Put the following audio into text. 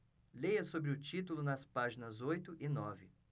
leia sobre o título nas páginas oito e nove